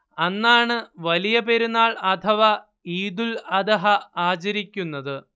അന്നാണ് വലിയ പെരുന്നാൾ അഥവാ ഈദുൽ അദ്ഹ ആചരിയ്ക്കുന്നത്